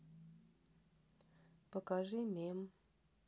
покажи мем